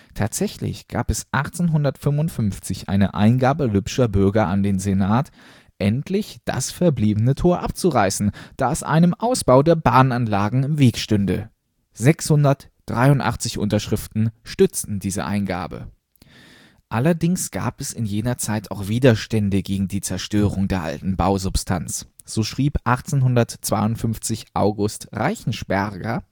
Tatsächlich gab es 1855 eine Eingabe lübscher Bürger an den Senat, endlich das verbliebene Tor abzureißen, da es einem Ausbau der Bahnanlagen im Wege stünde. 683 Unterschriften stützten diese Eingabe. Allerdings gab es in jener Zeit auch Widerstände gegen die Zerstörung der alten Bausubstanz. So schrieb 1852 August Reichensperger